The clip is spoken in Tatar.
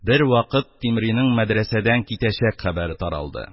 Бервакыт Тимринең мәдрәсәдән китәчәк хәбәре таралды.